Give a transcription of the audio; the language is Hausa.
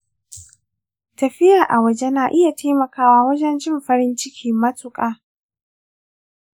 tafiya a waje na iya taimakawa wajan jin farin ciki mutuƙa.